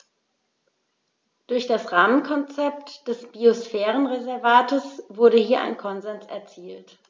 Durch das Rahmenkonzept des Biosphärenreservates wurde hier ein Konsens erzielt.